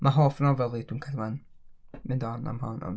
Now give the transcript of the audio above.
Mae hoff nofel fi, dwi'n cario 'mlaen mynd on am hon ond.